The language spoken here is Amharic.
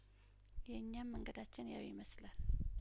የኛም መንገዳችን ያው ይመስላል